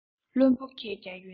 བླུན པོ མཁས ཀྱང ཡོན ཏན མིན